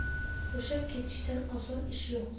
bo'shab ketishdan oson ish yo'q